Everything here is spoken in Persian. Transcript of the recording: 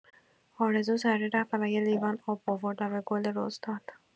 آرزو سریع رفت و یه لیوان آب آورد و به گل رز داد.